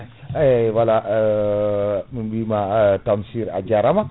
eyyi voilà min bima Tamsir a jaarama